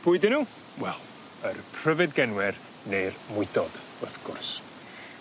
Pwy 'dyn n'w? Wel yr pryfid genwyr neu'r mwydod wrth gwrs.